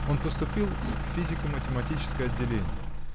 Он поступил в физико-математическое отделение.